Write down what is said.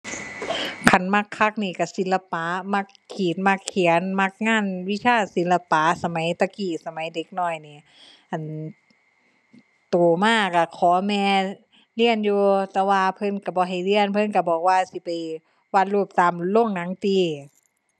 คันมักคักนี่ก็ศิลปะ มักขีด มักเขียน มักงานวิชาศิลปะ สมัยแต่กี้สมัยเด็กน้อยนี่ อั่น โตมาก็ขอแม่เรียนอยู่แต่ว่าเพิ่นก็บ่ให้เรียน เพิ่นก็บอกว่าสิไปวาดรูปตามโรงหนังติ